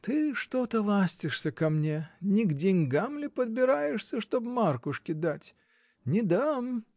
— Ты что-то ластишься ко мне: не к деньгам ли подбираешься, чтоб Маркушке дать? Не дам!